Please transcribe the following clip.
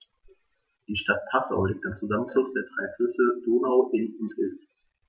Die Stadt Passau liegt am Zusammenfluss der drei Flüsse Donau, Inn und Ilz.